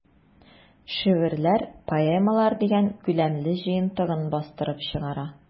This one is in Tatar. "шигырьләр, поэмалар” дигән күләмле җыентыгын бастырып чыгара.